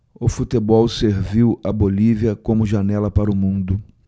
o futebol serviu à bolívia como janela para o mundo